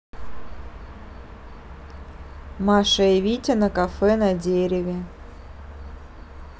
маша и витя на кафе на дереве